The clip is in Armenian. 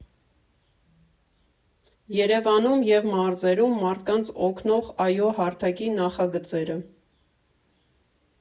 Երևանում և մարզերում մարդկանց օգնող ԱՅՈ հարթակի նախագծերը։